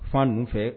Fanun fɛ